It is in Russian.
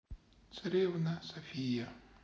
царевна софия